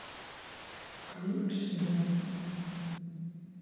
клип сиа